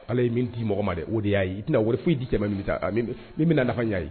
Ala ye min di mɔgɔ ma de o de y'a i tɛna wari f foyi i di cɛ min taa min bɛna ka'a ye